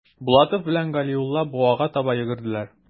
Булатов белән Галиулла буага таба йөгерделәр.